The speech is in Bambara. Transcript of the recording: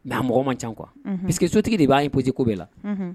Mɛ mɔgɔ man ca kuwa p que sotigi de b'a pti ko bɛɛ la